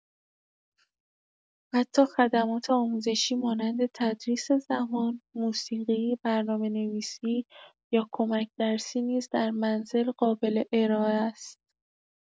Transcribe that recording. حتی خدمات آموزشی مانند تدریس زبان، موسیقی، برنامه‌نویسی یا کمک‌درسی نیز در منزل قابل‌ارائه است.